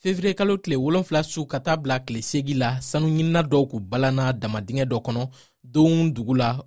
feburuye kalo tile wolonwula su ka taa a bila a tile seegin la sanuɲinina dɔw tun balana damandingɛ dɔ kɔnɔ dohun dugu la